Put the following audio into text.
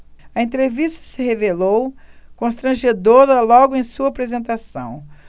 a entrevista se revelou constrangedora logo em sua apresentação